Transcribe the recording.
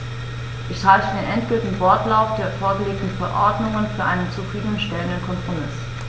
Ich halte den endgültigen Wortlaut der vorgelegten Verordnung für einen zufrieden stellenden Kompromiss.